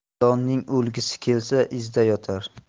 ilonning o'lgisi kelsa izda yotar